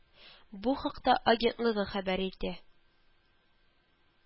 Бу хакта агентлыгы хәбәр итә